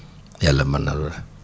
yàlla mën na lu ne